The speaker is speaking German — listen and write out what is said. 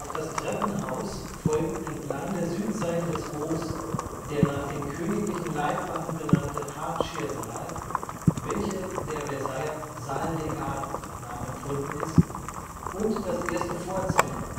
das Treppenhaus folgen entlang der Südseite des Hofs der nach den königlichen Leibwachen benannte Hartschiersaal, welcher der Versailler Salle des Gardes nachempfunden ist, und das erste Vorzimmer